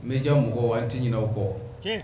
N bɛja mɔgɔw an tɛ ɲininɛw kɔ